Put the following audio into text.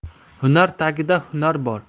hunar tagida hunar bor